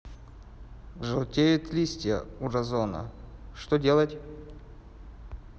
желтеют листья у розана что делать